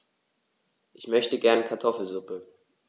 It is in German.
Ich möchte gerne Kartoffelsuppe.